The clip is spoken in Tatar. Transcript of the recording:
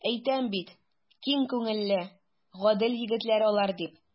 Әйтәм бит, киң күңелле, гадел егетләр алар, дип.